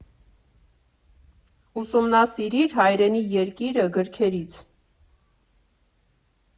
Ուսումնասիրիր հայրենի երկիրը» գրքերից։